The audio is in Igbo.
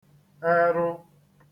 ẹru